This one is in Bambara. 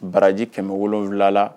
Baraji kɛmɛ wolonwulala